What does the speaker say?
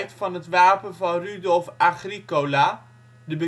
van het wapen van Rudolf Agricola, de